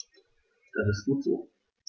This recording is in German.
Das ist gut so.